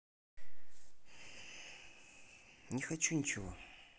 не хочу ничего